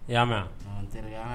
I y'a mɛn'a